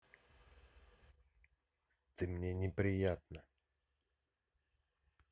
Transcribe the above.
ты мне неприятна